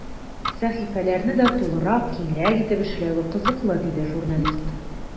Сәхифәләрне дә тулырак, киңрәк итеп эшләве кызыклы, диде журналист.